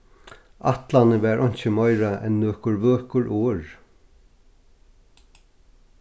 ætlanin var einki meira enn nøkur vøkur orð